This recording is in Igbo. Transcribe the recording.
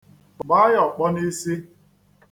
Gbaa ya ọkpọ n'isi.